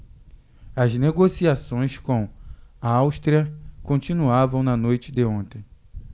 as negociações com a áustria continuavam na noite de ontem